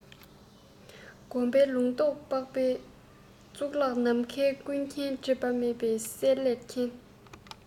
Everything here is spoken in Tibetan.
བསྒོམ པས ལུང རྟོགས དཔག ཡས གཙུག ལག ནམ མཁའི ཁྱོན ཀུན སྒྲིབ པ མེད པར གསལ ལེར མཁྱེན